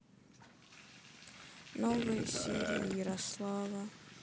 новые серии ярослава